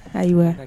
Ayiwa